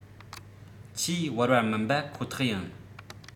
ཆེས དབུལ བ མིན པ ཁོ ཐག ཡིན